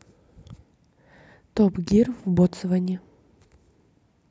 топ гир в ботсване